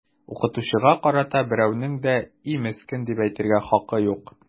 Укытучыга карата берәүнең дә “и, мескен” дип әйтергә хакы юк!